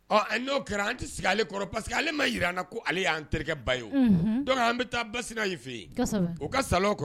Ɔ hali n'o kɛra an tɛ sigi ale kɔrɔ parce que ale ma jira an na ko ale y'an terikɛ ba ye dɔnc an bɛ taa ba sina in fɛ yen salon kɔrɔ